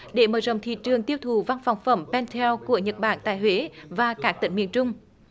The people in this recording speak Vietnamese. để mở rộng thị trường tiêu thụ văn phòng phẩm pan theo của nhật bản tại huế và các tỉnh miền trung